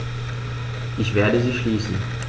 Ich werde sie schließen.